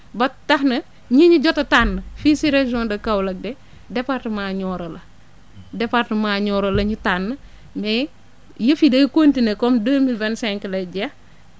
ba tax na ñi ñu jot a tànn fii si région de Kaolack de département Nioro la département Nioro la ñu tànn mais yëf yi day continuer kon deux mille vingt cinq lay jeex